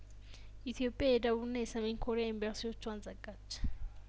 ኢትዮጵያ የደቡብና የሰሜን ኮሪያ ኤምባሲዎቿን ዘጋች